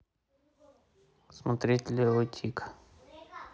смотреть лео и тиг